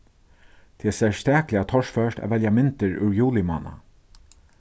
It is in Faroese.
tað er serstakliga torført at velja myndir úr julimánað